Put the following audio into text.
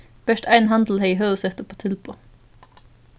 bert ein handil hevði høvuðsett upp á tilboð